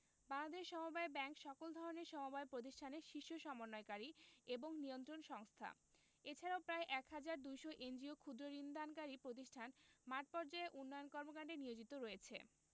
বাংলাদেশ সমবায় ব্যাংক সকল ধরনের সমবায় প্রতিষ্ঠানের শীর্ষ সমন্বয়কারী ও নিয়ন্ত্রণ সংস্থা এছাড়াও প্রায় ১ হাজার ২০০ এনজিও ক্ষুদ্র্ ঋণ দানকারী প্রতিষ্ঠান মাঠপর্যায়ে উন্নয়ন কর্মকান্ডে নিয়োজিত রয়েছে